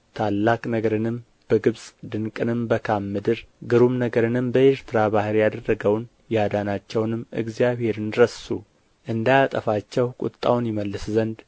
ታላቅ ነገርንም በግብጽ ድንቅንም በካራን ምድር ግሩም ነገርንም በኤርትራ ባሕር ያደረገውን ያዳናቸውንም እግዚአብሔርን ረሱ እንዳያጠፋቸው ቍጣውን ይመልስ ዘንድ